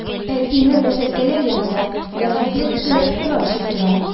Ә тимер рәшәткәләр янында бәхетле кешеләр сыра эчеп тора!